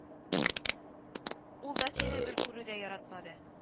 —ул да сине бер күрүдә яратмады